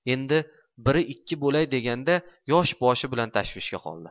endi biri ikki bo'lay deganda yosh boshi bilan tashvishga qoldi